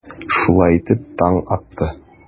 Шулай итеп, таң атты.